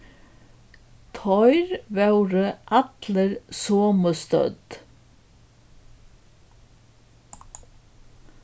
teir vóru allir somu stødd